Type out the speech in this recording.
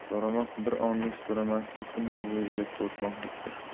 so'ramoq bir onlik so'ramaslik umr bo'yi uyatda o'tmoqlikdir